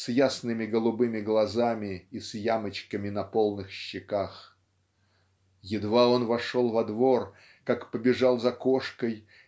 с ясными голубыми глазами и с ямочками на полных щеках. Едва он вошел во двор как побежал за кошкой